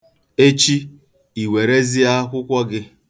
Echi, i werezie akwụkwọ gị.